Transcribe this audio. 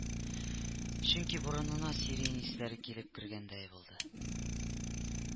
Чөнки борынына сирень исләре килеп кергәндәй булды